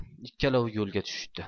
ikkalovi yana yo'lga tushishdi